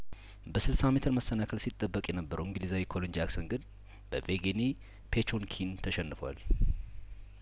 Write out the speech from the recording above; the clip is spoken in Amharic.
በስልሳ ሜትር መሰናክል ሲጠበቅ የነበረው እንግሊዛዊ ኮሊን ጃክሰን ግን በቬጌኒ ፔቾንኪን ተሸንፏል